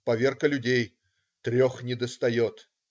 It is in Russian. Поверка людей - трех недостает.